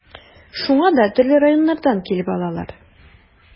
Шуңа да төрле районнардан килеп алалар.